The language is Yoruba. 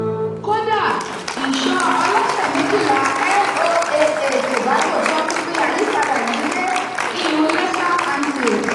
Kódà, ìṣọ́ ọlọ́sẹ̀ méjìláa NOAA Tobago tan pinpin àyípadà yìí dé iyùn Lesser Antilles.